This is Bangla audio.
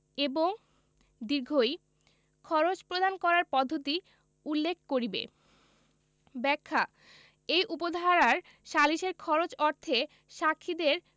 এবং ঈ খরচ প্রদান করার পদ্ধতি উল্লেখ করিবে ব্যাখ্যা এই উপ ধারার সালিসের খরচ অর্থে সাক্ষীদের